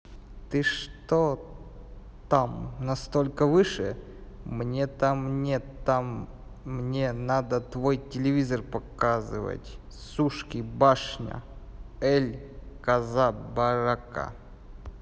ты что там настолько выше мне там нет там мне надо твой телевизор показывать сушки башня эль коза барака